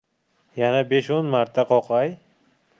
yana besh o'n marta qoqay